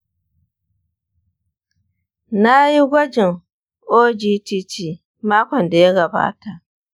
nayi gwajin ogtt makon da ya gabata.